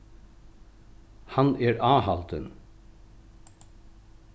hann er áhaldin